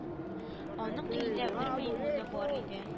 Аның өендә бер мәймүне бар иде